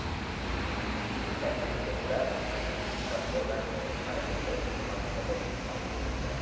pushkin muzeyining taklifiga ko'ra kript kapellasi mana endi moskvaga mehmonga kelibdi